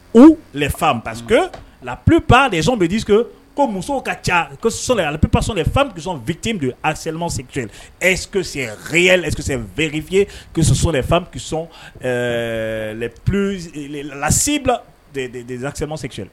U lefa pa la pp pa desɔn bɛdi ko ko musow ka ca so alippsɔ fan bɛ sɔn fit don alilemase v fiyesɔ fansɔn lelalasizsɛmasesɛɛrɛri